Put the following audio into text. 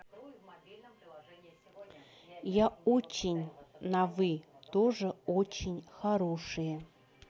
я очень на вы тоже очень хорошие